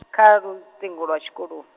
kha luṱingo lwa tshikoloni.